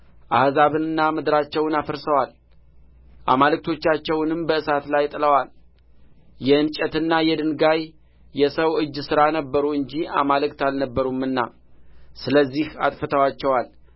አሕዛብንና ምድራቸውን አፍርሰዋል አማልክቶቻቸውንም በእሳት ላይ ጥለዋል የእንጨትና የድንጋይ የሰው እጅ ሥራ ነበሩ እንጂ አማልክት አልነበሩምና ስለዚህ አጥፍተዋቸዋል